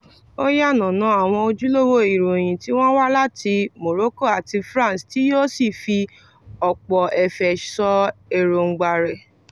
Ó yànnàná àwọn ojúlówó ìròyìn tí wọ́n wá láti Morocco àti France tí yóò sì fi ọ̀pọ̀ ẹ̀fẹ̀ sọ èròńgbà rẹ̀.